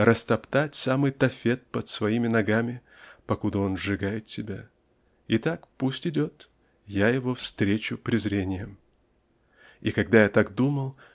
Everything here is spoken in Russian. растоптать самый Тофет под твоими ногами покуда он сжигает тебя? Итак, пусть идет! Я его встречу презрением". И когда я так думал